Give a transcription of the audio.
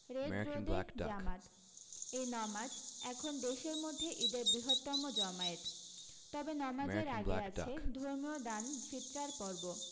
red রোডে জামাত এই নমাজ এখন দেশের মধ্যে ঈদের বৃহত্তম জমায়েত তবে নমাজের আগে আছে ধর্মীয় দান ফিতরার পর্ব